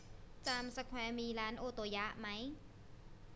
จามสแควร์มีร้านโอโตยะไหม